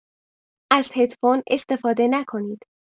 از هدفون استفاده نکنید.